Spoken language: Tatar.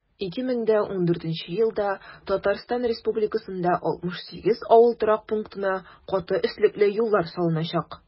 2014 елда татарстан республикасында 68 авыл торак пунктына каты өслекле юллар салыначак.